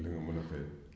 li nga mën a fay